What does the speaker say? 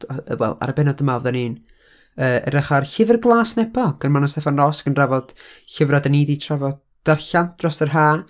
y- wel, ar y bennod yma fyddan ni'n, yy, edrych ar 'Llyfr Glas Nebo', gan Manon Steffan Ros gan drafod llyfrau dan ni 'di'u trafod, darllen, dros yr haf.